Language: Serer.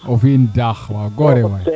o fi'in daax waaw goore waay